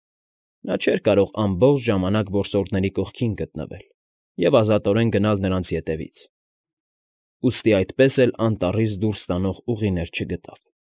Նա չէր կարող ամբողջ ժամանակ որսորդների կողքին գտնվել և ազատորեն գնալ նրանց ետևից, ուստի այդպես էլ անտառից դուրս տանող ուղիներ չգտավ։